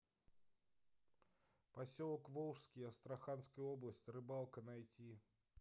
поселок волжский астраханская область рыбалка найти